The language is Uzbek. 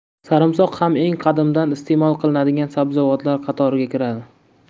sarimsoq ham eng qadimdan iste'mol qilinadigan sabzavotlar qatoriga kiradi